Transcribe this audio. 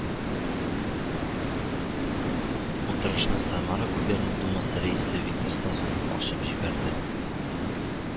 Утырышны Самара губерна Думасы рәисе Виктор Сазонов ачып җибәрде